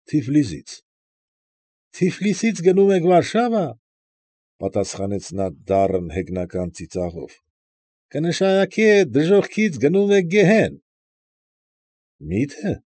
Թիֆլիսից։ ֊ Թիֆլիսից գնում եք Վարշավա,֊ պատասխանեց նա դառն հեգնական ծիծաղով,֊ կնշանակե դժոխքից գնում եք գեհեն։ ֊ Մի՞թե։ ֊